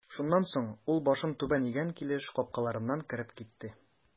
Шуннан соң ул башын түбән игән килеш капкаларыннан кереп китте.